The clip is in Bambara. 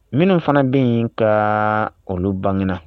Minnu fana bɛ yen ka olu bangera